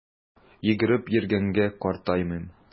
Йөгереп йөргәнгә картаймыйм!